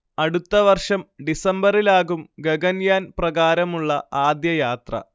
അടുത്ത വർഷം ഡിസംബറിലാകും ഗഗൻയാൻ പ്രകാരമുള്ള ആദ്യ യാത്ര